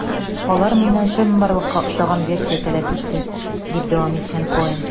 Алар миннән чынбарлыкка охшаган версия таләп итте, - дип дәвам иткән Коэн.